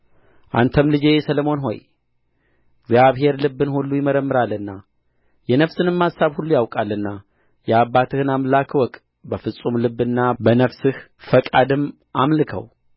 አንተም ልጄ ሰሎሞን ሆይ እግዚአብሔር ልብን ሁሉ ይመረምራልና የነፍስንም አሳብ ሁሉ ያውቃልና የአባትህን አምላክ እወቅ በፍጹም ልብና በነፍስህ ፈቃድም አምልከው